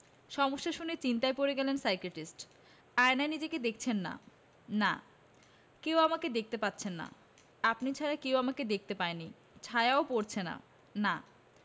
সমস্যা শুনে চিন্তায় পড়ে গেলেন সাইকিয়াট্রিস্ট আয়নায় নিজেকে দেখছেন না না কেউ আপনাকে দেখতে পাচ্ছে না আপনি ছাড়া কেউ আমাকে দেখতে পায়নি ছায়াও পড়ছে না না